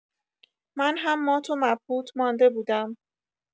من هم مات‌ومبهوت مانده بودم.